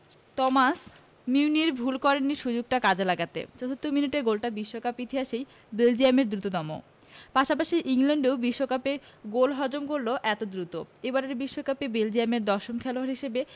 Thomas Meunier ভুল করেননি সুযোগটা কাজে লাগাতে চতুর্থ মিনিটে গোলটা বিশ্বকাপ ইতিহাসেই বেলজিয়ামের দ্রুততম পাশাপাশি ইংল্যান্ডও বিশ্বকাপে গোল হজম করল এত দ্রুত এবারের বিশ্বকাপে বেলজিয়ামের দশম খেলোয়াড় হিসেবে